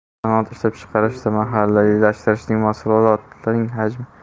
sanoat ishlab chiqarishida mahalliylashtirilgan mahsulotlar hajmining